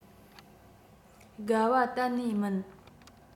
དགའ བ གཏན ནས མིན